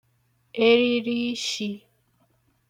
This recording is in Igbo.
eriri ishī